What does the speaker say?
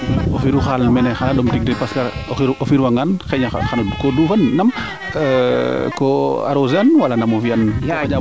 o firu xaal xana ndom tig de parce que o xirwa ngaan ko duufan nam ko arroser an wala nam o fiyan wala ko xanja bo roog fe deɓ